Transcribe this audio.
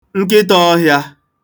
nkịtāọ̄hịā